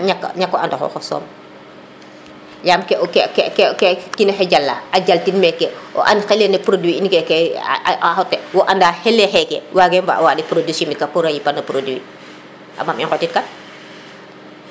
ñako anda xoxof soom yam ke o keke ke kinoxe jala a jal tin maka o an xile produit in keke a a xote wo anda xile xeke wage wage wandik produit chimique pour a yipan no produit mam i ŋotid kan